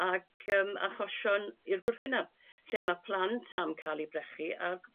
ag ym achosion i'r gwrthwynab lle ma' plant am cael 'u brechu ag